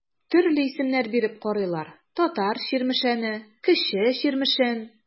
Төрле исемнәр биреп карыйлар: Татар Чирмешәне, Кече Чирмешән.